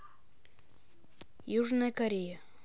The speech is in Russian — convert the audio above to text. южная корея